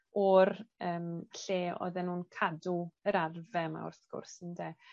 o'r yym lle odden nw'n cadw yr arfe yma wrth gwrs ynde?